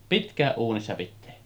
pitkään uunissa pitää